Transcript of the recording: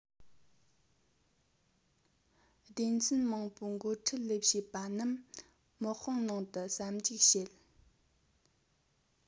སྡེ ཚན མང པོའི འགོ ཁྲིད ལས བྱེད པ རྣམས དམག དཔུང ནང དུ ཟབ འཇུག བྱེད